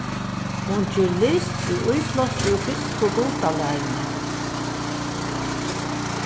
hon ger list við íblástri úr griksku gudalæruni